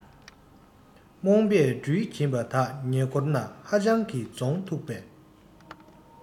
རྨོངས པས འདྲུལ གྱིན པ དག ཉེ འཁོར ན ཧ ཅང གི རྫོང མཐུག པས